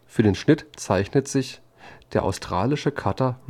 Für den Schnitt zeichnete sich der australische Cutter